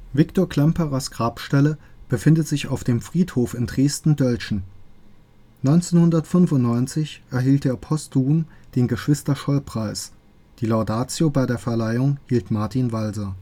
Victor Klemperers Grabstelle befindet sich auf dem Friedhof in Dresden-Dölzschen. 1995 erhielt er postum den Geschwister-Scholl-Preis, die Laudatio bei der Verleihung hielt Martin Walser